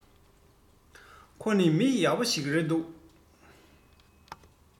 ཁོ ནི མི ཡག པོ ཞིག རེད འདུག